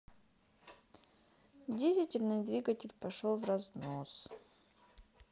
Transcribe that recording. дизельный двигатель пошел вразнос